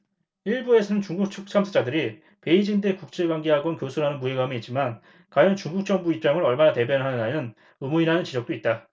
일부에서는 중국 측 참석자들이 베이징대 국제관계학원 교수라는 무게감은 있지만 과연 중국 정부 입장을 얼마나 대변하느냐는 의문이라는 지적도 있다